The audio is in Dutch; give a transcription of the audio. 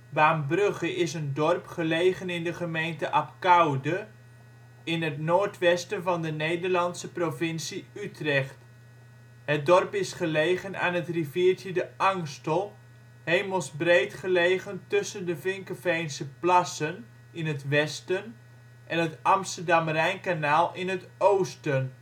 Baambrugge is een dorp gelegen in de gemeente Abcoude in het noordwesten van de Nederlandse provincie Utrecht. Het dorp is gelegen aan het riviertje de Angstel, hemelsbreed gelegen tussen de Vinkeveense Plassen in het westen en het Amsterdam-Rijnkanaal in het oosten